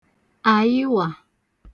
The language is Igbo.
àyịwà